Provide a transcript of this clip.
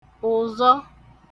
ụ̀zọ